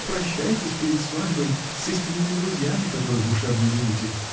вы прощаетесь перед свадьбой с истинными друзьями которых душевно любите